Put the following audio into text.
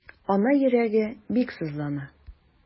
Ана йөрәге бик сызлана.